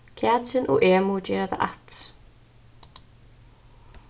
katrin og eg mugu gera tað aftur